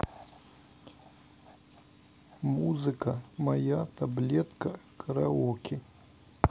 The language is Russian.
музыка моя таблетка караоке